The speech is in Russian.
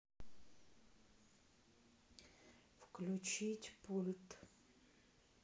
включить пульт